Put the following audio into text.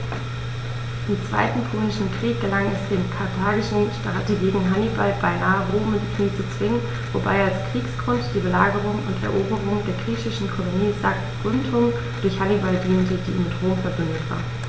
Im Zweiten Punischen Krieg gelang es dem karthagischen Strategen Hannibal beinahe, Rom in die Knie zu zwingen, wobei als Kriegsgrund die Belagerung und Eroberung der griechischen Kolonie Saguntum durch Hannibal diente, die mit Rom „verbündet“ war.